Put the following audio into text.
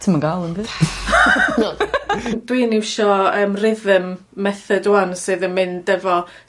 Ti'm yn ga'l 'im byd. Dwi'n iwsio yym rythm method ŵan sydd yn mynd efo